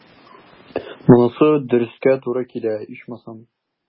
Монысы дөрескә туры килә, ичмасам.